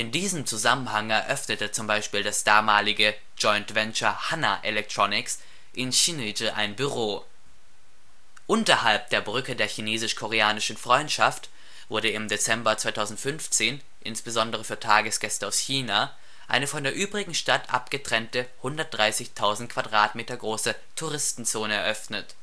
diesem Zusammenhang eröffnete z. B. das damalige Joint Venture Hana Electronics in Sinŭiju ein Büro. Unterhalb der Brücke der Chinesisch-Koreanischen-Freundschaft wurde im Dezember 2015, insbesondere für Tagesgäste aus China, eine von der übrigen Stadt abgetrennte 130.000 m² große „ Touristenzone “eröffnet